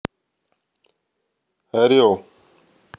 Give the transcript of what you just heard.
орел